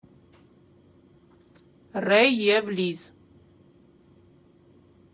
«Ռեյ և Լիզ»